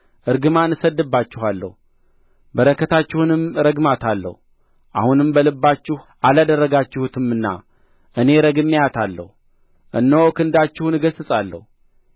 እርግማን እሰድድባችኋለሁ በረከታችሁንም እረግማታለሁ አሁንም በልባችሁ አላደረጋችሁትምና እኔ ረግሜአታለሁ እነሆ ክንዳችሁን እገሥጻለሁ